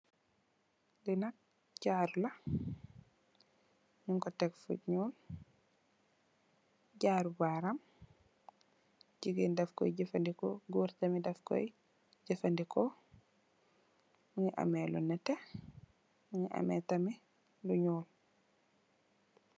Li nak jaru la ñing ko tèk fu ñuul, jaru baram la. Jigeen daf koy jafandiko gór tamid daf koy jafandiko, mugii ameh lu netteh mugii ameh tamit lu ñuul.